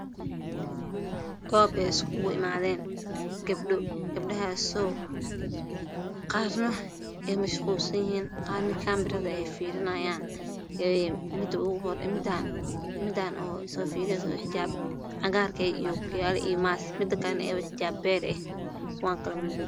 Waa meel gabdho iskugu imaadeen gabdhaha qaar way mashquulsan yihiin qaarna kaamirada ayay fiirinaayaan. Mida isoo firineyaso waxay wadataa xijaab cagaar ah iyo ookiyaalo iyo maski. Tan kalana xijaab beer ah.